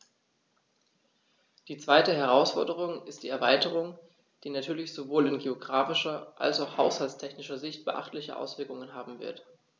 Die zweite Herausforderung ist die Erweiterung, die natürlich sowohl in geographischer als auch haushaltstechnischer Sicht beachtliche Auswirkungen haben wird.